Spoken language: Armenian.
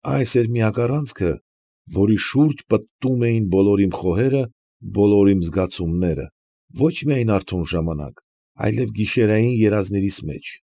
Այս էր միակ առանցքը, որի շուրջը պտտում էին բոլոր իմ մտքերը, բոլոր իմ զգացումները, ոչ միայն արթուն ժամանակ, այլև գիշերային երազներից մեջ։